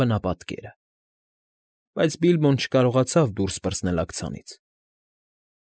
Բնապատկերը։ Բայց Բիլբոն չկարողացավ դուրս պրծնել աքցանից։